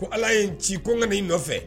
Ko ala ye n ci kokan nin nɔfɛ